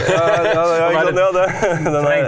ja ja .